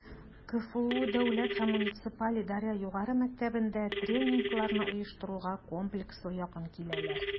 КФУ Дәүләт һәм муниципаль идарә югары мәктәбендә тренингларны оештыруга комплекслы якын киләләр: